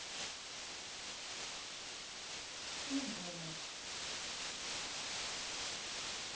к любому